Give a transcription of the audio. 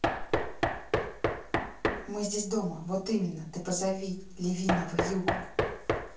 мы здесь дома вот именно ты позови левиного юга